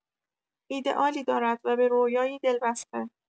ایده‌آلی دارد و به رویایی دل‌بسته.